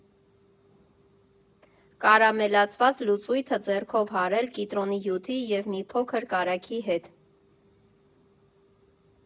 Կարամելացված լուծույթը ձեռքով հարել կիտրոնի հյութի և մի փոքր կարագի հետ։